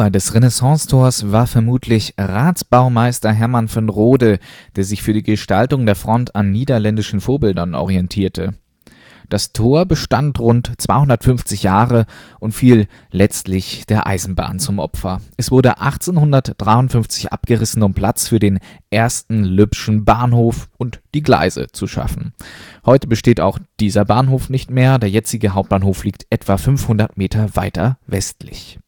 des Renaissancetors war vermutlich Ratsbaumeister Hermann von Rode, der sich für die Gestaltung der Front an niederländischen Vorbildern orientierte. Direkt vergleichbar ist beispielsweise die Nieuwe Oosterpoort in Hoorn. Das Tor bestand rund 250 Jahre und fiel letztlich der Eisenbahn zum Opfer: Es wurde 1853 abgerissen, um Platz für den ersten Lübschen Bahnhof und die Gleise zu schaffen. Heute besteht auch dieser Bahnhof nicht mehr; der jetzige Hauptbahnhof liegt etwa 500 Meter weiter westlich